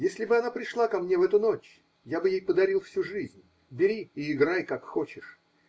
Если бы она пришла ко мне в эту ночь, я бы ей подарил всю жизнь -- бери и играй, как хочешь.